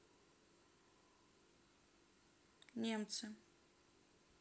немцы